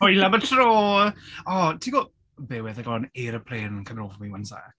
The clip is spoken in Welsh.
Hwyl am y tro! O tibod bear with I've got an aeroplane coming over me, one sec.